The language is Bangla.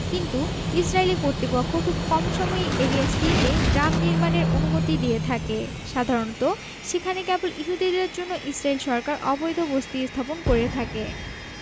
কিন্তু ইসরাইলি কর্তৃপক্ষ খুব কম সময়ই এরিয়া সি তে গ্রাম নির্মাণের অনুমতি দিয়ে থাকে সাধারণত সেখানে কেবল ইহুদিদের জন্য ইসরাইল সরকার অবৈধ বসতি স্থাপন করে থাকে